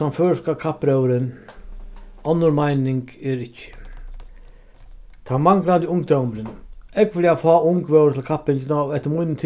tann føroyska kappróðurin onnur meining er ikki tann manglandi ungdómurin ógvuliga fá ung vóru til kappingina og eftir mínum